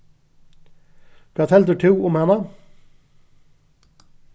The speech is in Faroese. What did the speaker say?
hvat heldur tú um hana